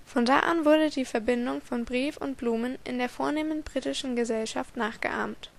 da an wurde die Verbindung von Brief und Blumen in der vornehmen britischen Gesellschaft nachgeahmt